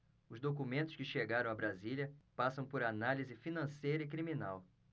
os documentos que chegaram a brasília passam por análise financeira e criminal